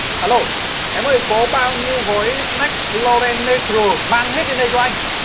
a lô em ơi có bao nhiêu gói sờ nách lo ren nây tờ rồ mang hết lên đây cho anh